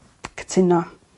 Cytuno.